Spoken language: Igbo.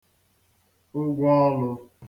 ụgwọ ọlū